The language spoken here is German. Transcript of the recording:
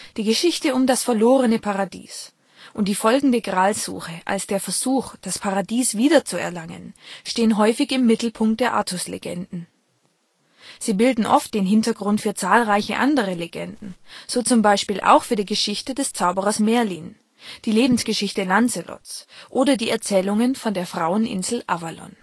Die Geschichte um das verlorene Paradies und die folgende Gralssuche als der Versuch, das Paradies wieder zu erlangen, stehen häufig im Mittelpunkt der Artuslegenden. Sie bilden oft den Hintergrund für zahlreiche andere Legenden, so z. B. auch für die Geschichte des Zauberers Merlin, die Lebensgeschichte Lancelots oder die Erzählungen von der Fraueninsel Avalon